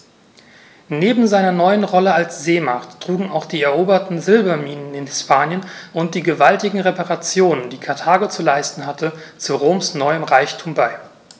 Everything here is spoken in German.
Neben seiner neuen Rolle als Seemacht trugen auch die eroberten Silberminen in Hispanien und die gewaltigen Reparationen, die Karthago zu leisten hatte, zu Roms neuem Reichtum bei.